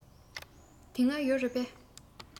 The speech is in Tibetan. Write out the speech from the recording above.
དེ སྔ ཡོད རེད པས